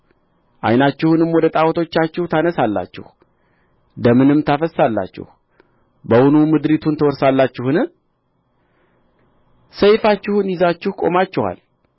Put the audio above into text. ዓይናችሁንም ወደ ጣዖቶቻችሁ ታነሣላችሁ ደምንም ታፈስሳላችሁ በውኑ ምድሪቱን ትወርሳላችሁን ሰይፋችሁን ይዛችሁ ቆማችኋል